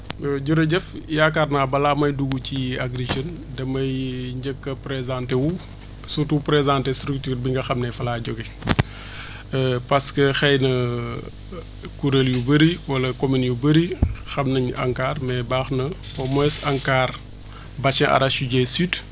jërëjëf yaakaar naa balaa may dugg ci Agri Jeunes damay njëkk a présenté wu surtout présenté structure bi nga xam ne fa laa jógee parce que xëy na kuréel yu bëri wala communes yu bëri xam nañu ANCAR mais baax na au moins ANCAR bassin archidier surtout